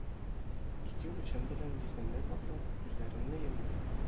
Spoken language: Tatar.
Ике учым белән йөземне каплап күзләремне йомдым